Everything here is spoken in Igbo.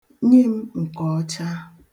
Nye m nke ọcha.